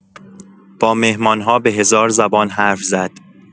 با مهمان‌ها به هزار زبان حرف زد.